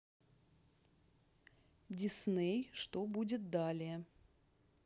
disney что будет далее